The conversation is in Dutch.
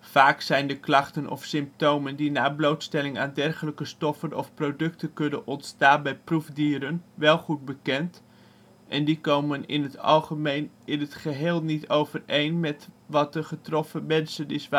Vaak zijn de klachten of symptomen die na blootstelling aan dergelijke stoffen of producten kunnen ontstaan bij proefdieren wel goed bekend en die komen in het algemeen in het geheel niet overeen met wat bij de getroffen mensen is waargenomen